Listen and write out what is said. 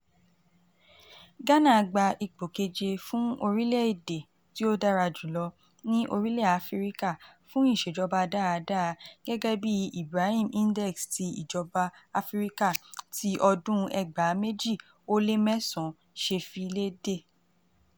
Ghana gba ipò keje fún orílẹ̀-èdè tí ó dára jùlọ ní orílẹ̀ Áfíríkà fún ìṣèjọba dáadáa gẹ́gẹ́ bí Ibrahim Index of African Governance ti ọdún 2009 ṣe fi léde.